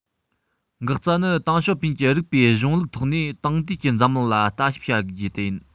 འགག རྩ ནི ཏེང ཞའོ ཕིན གྱི རིགས པའི གཞུང ལུགས ཐོག ནས དེང དུས ཀྱི འཛམ གླིང ལ ལྟ ཞིབ བྱ རྒྱུ དེ ཡིན